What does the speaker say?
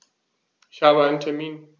Ich habe einen Termin.